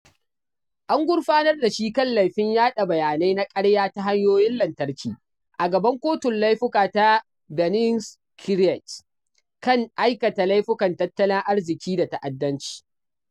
An gurfanar da shi kan laifin “yaɗa bayanai na ƙarya ta hanyoyin lantarki” a gaban kotun laifuka ta Benin’s CRIET kan aikata laifukan tattalin arziƙi da ta’addanci.